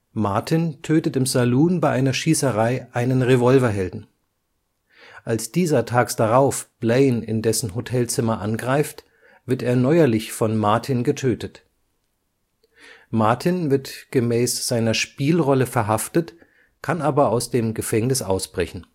Martin tötet im Saloon bei einer Schießerei einen Revolverhelden. Als dieser tags darauf Blane in dessen Hotelzimmer angreift, wird er neuerlich von Martin getötet. Martin wird gemäß seiner Spielrolle verhaftet, kann aber aus dem Gefängnis ausbrechen